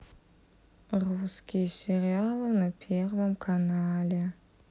русские сериалы на первом канале